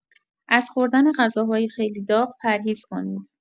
از خوردن غذاهای خیلی داغ پرهیز کنید.